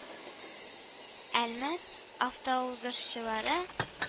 Әлмәт автоузышчылары